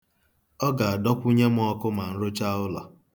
Ọ ga-adọkwunye m ọkụ ma m rụchaa ụlọ.